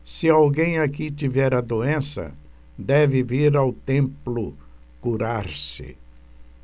se alguém aqui tiver a doença deve vir ao templo curar-se